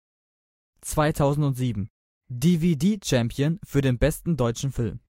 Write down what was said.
2007: DVD Champion für den Besten deutschen Film